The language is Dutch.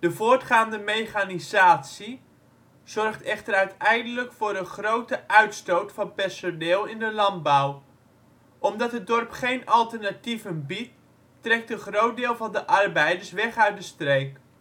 voortgaande mechanisatie zorgt echter uiteindelijk voor een grote uitstoot van personeel in de landbouw. Omdat het dorp geen alternatieven biedt trekt een groot deel van de arbeiders weg uit de streek